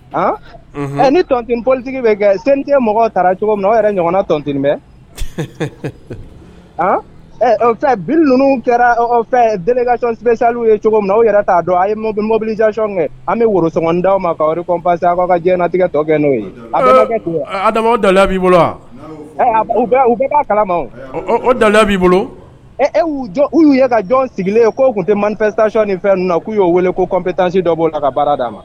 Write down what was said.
A ni tɔnt politigi bɛ kɛ sinti mɔgɔ taara cogo min na o yɛrɛ ɲɔgɔnna tɔntin bɛ fɛ biri ninnu kɛra fɛkac ye cogo minna o yɛrɛ t'a dɔn mobilicɔn kɛ an bɛ worosɔnugan' ma fa b'a kanatigɛ tɔ kɛ n'o ye b'i bolo u kalama da b'i bolo uu ye ka jɔn sigilen k' tun tɛ manfɛtanc ni fɛn ninnu k'u'o wele ko kɔnp taasi dɔ b'o la ka baara d'a ma